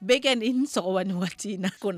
Bɛɛ kɛ nin waati in na kɔnɔ